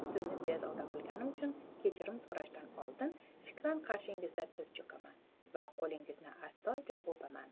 sizni bezovta qilganim uchun kechirim so'rashdan oldin fikran qarshingizda tiz cho'kaman va qo'lingizni astoydil o'paman